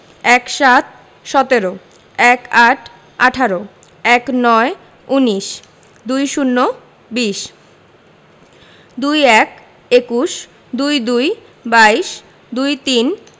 ১৭ - সতেরো ১৮ - আঠারো ১৯ - উনিশ ২০ - বিশ ২১ – একুশ ২২ – বাইশ ২৩